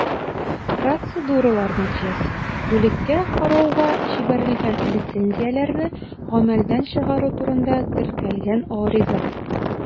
Процедуралар нәтиҗәсе: бүлеккә карауга җибәрелгән лицензияләрне гамәлдән чыгару турында теркәлгән гариза.